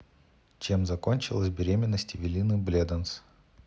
чем закончилась беременность эвелины бледанс